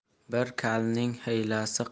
bir kalning hiylasi